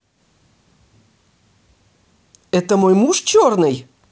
это мой муж черный